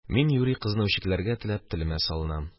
Мин юри, кызны үчекләргә теләп телемә салынам: